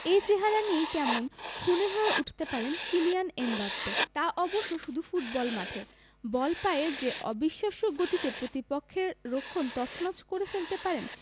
এই চেহারা নিয়েই কেমন খুনে হয়ে উঠতে পারেন কিলিয়ান এমবাপ্পে তা অবশ্য শুধু ফুটবল মাঠে বল পায়ে যে অবিশ্বাস্য গতিতে প্রতিপক্ষের রক্ষণ তছনছ করে ফেলতে পারেন